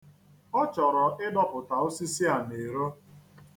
Ọ chọrọ ịdọpụta osisi a n'iro.